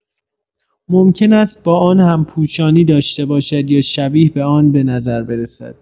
ممکن است با آن هم‌پوشانی داشته باشد یا شبیه به آن به نظر برسد.